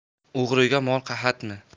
o'g'riga mol qahatmi